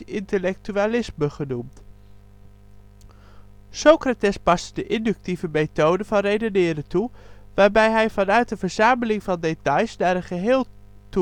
intellectualisme genoemd. Socrates paste de inductieve methode van redeneren toe, waarbij hij vanuit een verzameling van details naar het geheel toewerkte